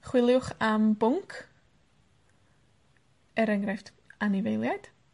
Chwiliwch am bwnc. Er enghraifft, anifeiliaid.